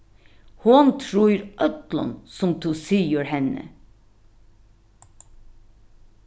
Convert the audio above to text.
hon trýr øllum sum tú sigur henni